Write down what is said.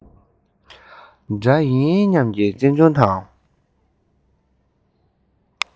སྒྲ ཡིན ཉམས ཀྱིས གཅེན གཅུང དང